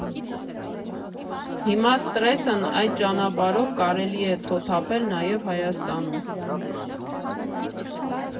Հիմա սթրեսն այդ ճանապարհով կարելի է թոթափել նաև Հայաստանում։